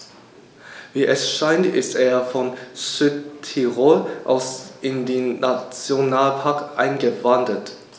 Wie es scheint, ist er von Südtirol aus in den Nationalpark eingewandert.